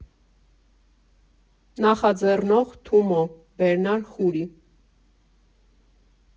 Նախաձեռնող՝ Թումո Բերնար Խուրի։